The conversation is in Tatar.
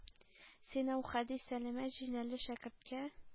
Син, Әүхәди,- сәләмә җиләнле шәкерткә